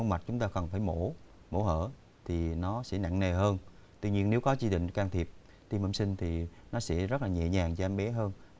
mặt chúng ta cần phải mổ mổ hở thì nó sẽ nặng nề hơn tuy nhiên nếu có chỉ định can thiệp tim bẩm sinh thì nó sẽ rất nhẹ nhàng cho em bé hơn